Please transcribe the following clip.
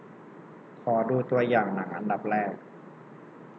ขอดูตัวอย่างหนังอันดับแรก